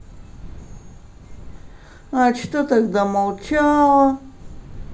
а что когда молчала